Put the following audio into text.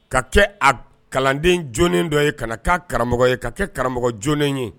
Ka kɛ a kalanden j dɔ ye ka na'a karamɔgɔ ye ka kɛ karamɔgɔjnen ye